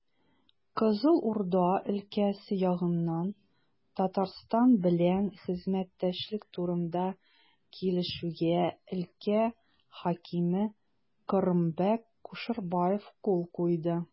Кызыл Урда өлкәсе ягыннан Татарстан белән хезмәттәшлек турында килешүгә өлкә хакиме Кырымбәк Кушербаев кул куйды.